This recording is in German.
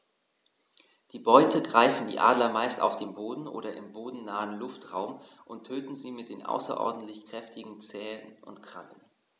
Die Beute greifen die Adler meist auf dem Boden oder im bodennahen Luftraum und töten sie mit den außerordentlich kräftigen Zehen und Krallen.